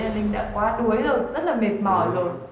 linh đã quá đuối rồi rất là mệt mỏi rồi